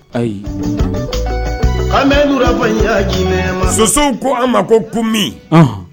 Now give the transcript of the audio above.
Ayi an bɛ fɔji ma sosow ko a ma ko ko min